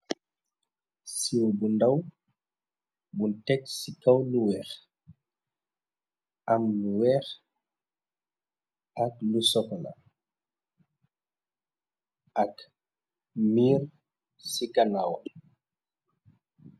Sow bu ndaw bun tekk ci kaw lu weeh. Am weeh ak lu sokola ak mire ci ganaaw.